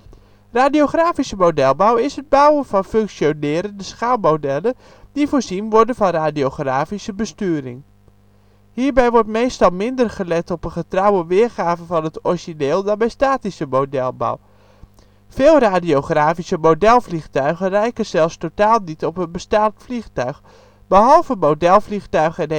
Radiografische modelbouw is het bouwen van functionerende schaalmodellen die voorzien worden van radiografische besturing. Hierbij wordt meestal minder gelet op een getrouwe weergave van het origineel dan bij statische modelbouw; veel radiografische modelvliegtuigen lijken zelfs totaal niet op een bestaand vliegtuig. Behalve modelvliegtuigen